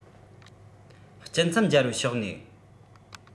སྐྱིན ཚབ འཇལ བའི ཕྱོགས ནས